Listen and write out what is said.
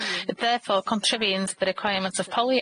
therefore contravenes the requirement of poly-